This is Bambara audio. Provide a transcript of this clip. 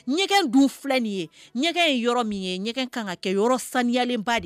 Ɲɛgɛn dun filɛ nin ye, ɲɛgɛn ye yɔrɔ min ye, ɲɛgɛn kan ka kɛ yɔrɔ saniyalenba de ye